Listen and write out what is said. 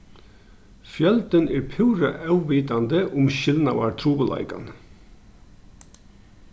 fjøldin er púra óvitandi um skilnaðartrupulleikan